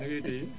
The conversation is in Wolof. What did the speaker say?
naka yite yi